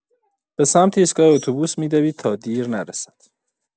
به سمت ایستگاه اتوبوس می‌دوید تا دیر نرسد.